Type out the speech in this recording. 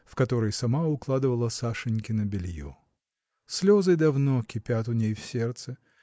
в который сама укладывала Сашенькино белье. Слезы давно кипят у ней в сердце